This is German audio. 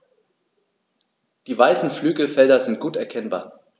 Die weißen Flügelfelder sind gut erkennbar.